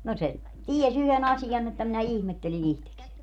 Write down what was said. no se tiesi yhden asian että minä ihmettelin itsekseni